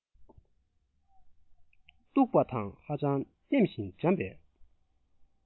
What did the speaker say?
གཏུགས པ དང ཧ ཅང ནེམ ཞིང འཇམ པའི